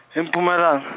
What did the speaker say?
e- Mpumalanga.